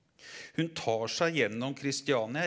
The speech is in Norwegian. hun tar seg gjennom Christiania.